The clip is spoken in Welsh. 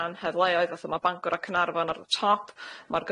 anheddleoedd fatha ma' Bangor a Caernarfon ar y top ma'r